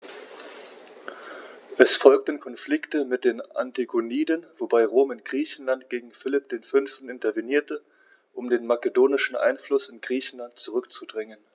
Es folgten Konflikte mit den Antigoniden, wobei Rom in Griechenland gegen Philipp V. intervenierte, um den makedonischen Einfluss in Griechenland zurückzudrängen.